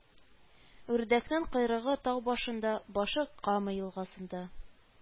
Үрдәкнең койрыгы тау башында, Башы Кама елгасында